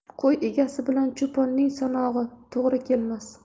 qo'y egasi bilan cho'ponning sanog'i to'g'ri kelmas